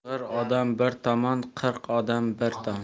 qing'ir odam bir tomon qirq odam bir tomon